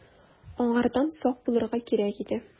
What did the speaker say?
Аңардан сак булырга кирәк иде.